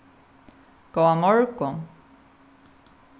góðan morgun